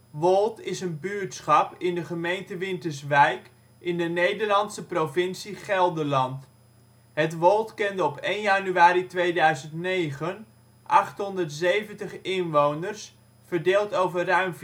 Woold is een buurtschap in de gemeente Winterswijk, in de Nederlandse provincie Gelderland. Het Woold kende op 1 januari 2009 870 inwoners, verdeeld over ruim